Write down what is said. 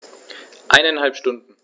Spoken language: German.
Eineinhalb Stunden